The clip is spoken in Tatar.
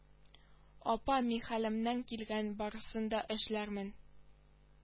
Апа мин хәлемнән килгәннең барысын да эшләрмен